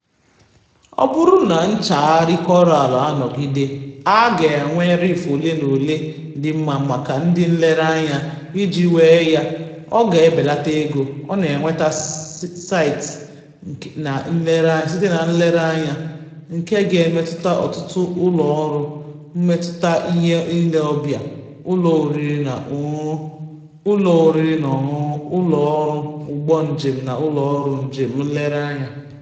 Ọ bụrụ na nchagharị Koraalụ anọgide, ha ga-enwe Reef ole na ole dị mma maka ndị nlereanya ị jee ya na, ọ ga-ebelata ego a na-enweta site na nlereanya, nke ga-emetụta ọtụtụ ụlọọrụ metụtara ile ọbịa: ụlọ oriri na ọṅụṅụ, ụlọ oriri na ọṅụṅụ, ụlọọrụ ụgbọnjem na ụlọọrụ njem nlereanya.